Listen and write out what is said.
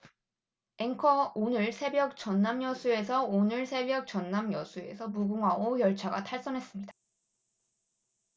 앵커 오늘 새벽 전남 여수에서 오늘 새벽 전남 여수에서 무궁화호 열차가 탈선했습니다